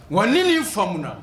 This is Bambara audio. Wa ni ni n famuuna